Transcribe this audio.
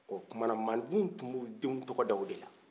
ɔɔ kumana maaninfinw kun bu denw tɔgɔda o de la